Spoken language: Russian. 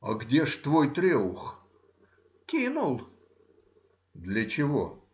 — А где же твой треух? — Кинул. — Для чего?